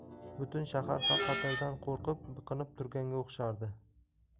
butun shahar xavf xatardan qo'rqib biqinib turganga o'xshardi